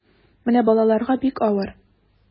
Менә балаларга бик авыр.